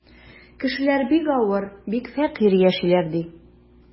Кешеләр бик авыр, бик фәкыйрь яшиләр, ди.